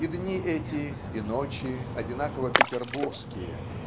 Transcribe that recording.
И дни эти, и ночи - одинаково петербургские.